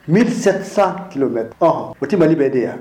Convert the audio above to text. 1700 km, Ɔnhɔn, o tɛ Mali bɛ de ye wa ?